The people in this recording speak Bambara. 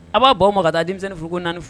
A b'a ban o ma ka taa denmisɛni furu ko naani furu